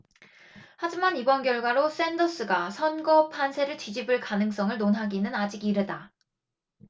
하지만 이번 결과로 샌더스가 선거 판세를 뒤집을 가능성을 논하기는 아직 이르다